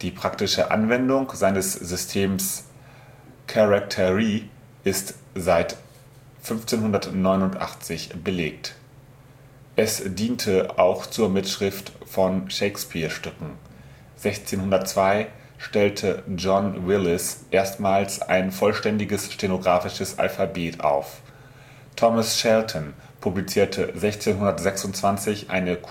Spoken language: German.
praktische Anwendung seines Systems „ Characterie “ist seit 1589 belegt; es diente auch zur Mitschrift von Shakespeare-Stücken. 1602 stellte John Willis erstmals ein vollständiges stenografisches Alphabet auf. Thomas Shelton publizierte 1626 eine